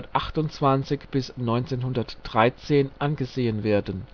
1828 - 1913) angesehen werden